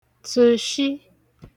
tụ̀shị